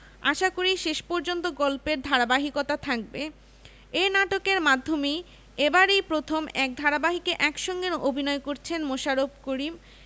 আশাকরি শেষ পর্যন্ত গল্পের ধারাবাহিকতা থাকবে এ নাটকের মাধ্যমেই এবারই প্রথম এক ধারাবাহিকে একসঙ্গে অভিনয় করছেন মোশাররফ করিম